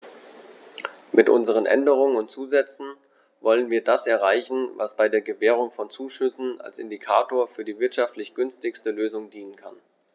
Mit unseren Änderungen und Zusätzen wollen wir das erreichen, was bei der Gewährung von Zuschüssen als Indikator für die wirtschaftlich günstigste Lösung dienen kann.